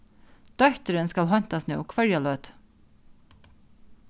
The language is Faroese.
dóttirin skal heintast nú hvørja løtu